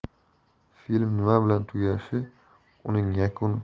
film nima bilan tugashi uning yakuni